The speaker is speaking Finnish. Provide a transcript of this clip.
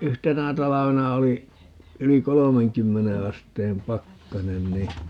yhtenä talvena oli yli kolmenkymmenen asteen pakkanen niin